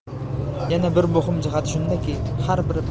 yana bir muhim jihati shundaki har bir